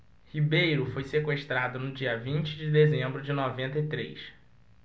ribeiro foi sequestrado no dia vinte de dezembro de noventa e três